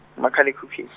umakhal' ekhukhwi- .